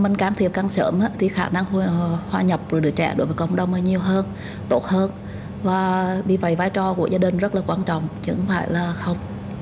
mình can thiệp càng sớm thì khả năng hòa nhập rồi đứa trẻ đối với cộng đồng là nhiều hơn tốt hơn và vì vậy vai trò của gia đình rất là quan trọng chứ không phải là không